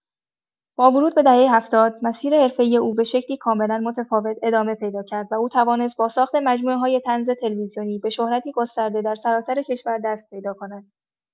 با ورود به دهه هفتاد، مسیر حرفه‌ای او به شکلی کاملا متفاوت ادامه پیدا کرد و او توانست با ساخت مجموعه‌های طنز تلویزیونی، به شهرتی گسترده در سراسر کشور دست پیدا کند.